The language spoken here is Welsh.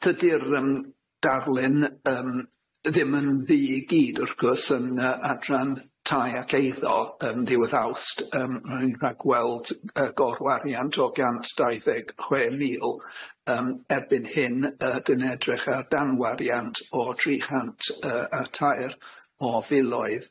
Dydi'r yym darlun yym ddim yn ddu i gyd, wrth gwrs, yn yy adran tai ac eiddo yym ddiwedd Awst, yym o'n i'n rhagweld yy gorwariant o gant dau ddeg chwe mil, yym erbyn hyn yy dwi'n edrych ar danwariant o tri chant yy a tair o filoedd.